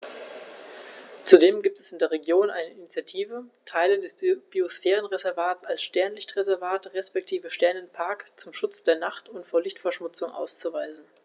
Zudem gibt es in der Region eine Initiative, Teile des Biosphärenreservats als Sternenlicht-Reservat respektive Sternenpark zum Schutz der Nacht und vor Lichtverschmutzung auszuweisen.